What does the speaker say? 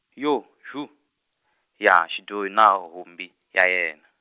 yo huu, ya xidyohi na humbi ya yena.